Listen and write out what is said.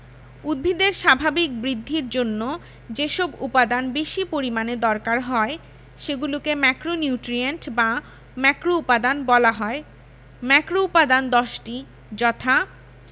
উদ্ভিদের স্বাভাবিক বৃদ্ধির জন্য যেসব উপাদান বেশি পরিমাণে দরকার হয় সেগুলোকে ম্যাক্রোনিউট্রিয়েন্ট বা ম্যাক্রোউপাদান বলা হয় ম্যাক্রোউপাদান 10টি যথা